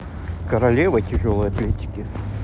королева тяжелой атлетики